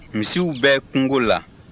misiw bɛ kungo la